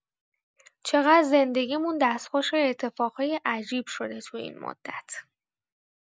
چقدر زندگی‌مون دستخوش اتفاقای عجیب شده تو این مدت!